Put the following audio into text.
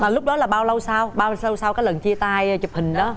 mà lúc đó là bao lâu sau bao lâu sau cái lần chia tay chụp hình đó